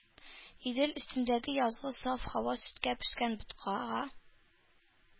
Идел өстендәге язгы саф һава сөткә пешкән боткага